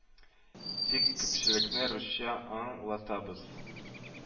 Тик күпчелекне русча аң латабыз